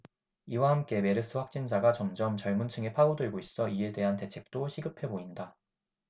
이와 함께 메르스 확진자가 점점 젊은 층에 파고들고 있어 이에 대한 대책도 시급해 보인다